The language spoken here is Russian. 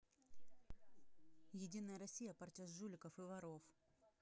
единая россия партия жуликов и воров